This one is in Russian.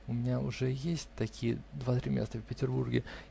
У меня уже есть такие два-три места в Петербурге.